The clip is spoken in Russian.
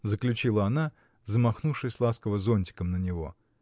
— заключила она, замахнувшись ласково зонтиком на него.